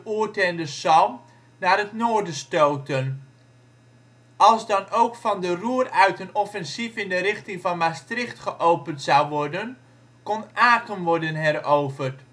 Ourthe en de Salm naar het noorden stootten. Als dan ook van de Roer uit een offensief in de richting van Maastricht geopend zou worden, kon Aken worden heroverd